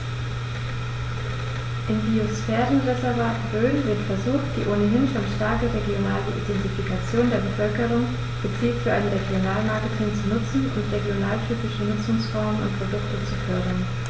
Im Biosphärenreservat Rhön wird versucht, die ohnehin schon starke regionale Identifikation der Bevölkerung gezielt für ein Regionalmarketing zu nutzen und regionaltypische Nutzungsformen und Produkte zu fördern.